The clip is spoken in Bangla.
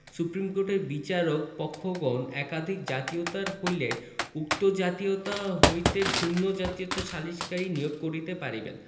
সুপ্রীম কোর্টের বিচারক পক্ষঘণ একাধিক জাতীয়তার হইলে উক্ত জাতয়িতা হইতে ভিন্ন জাতীয়তার সালিসকারী নিয়োগ করিতে পারিবেন